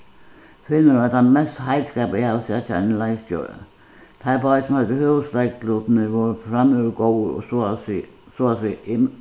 filmurin var tann mest heilskapaði eg havi sæð hjá einum leikstjóra teir báðir sum høvdu høvuðsleiklutirnir vóru framúr góður og so at siga so at siga eg